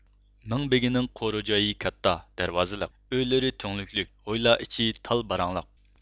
مىڭبېگىنىڭ قورۇ جايى كاتتا دەرۋازىلىق ئۆيلىرى تۈڭلۈڭلۈك ھويلا ئىچى تال باراڭلىق